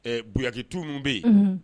Ɛ buyakitu mun be ye unhun